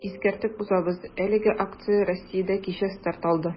Искәртеп узабыз, әлеге акция Россиядә кичә старт алды.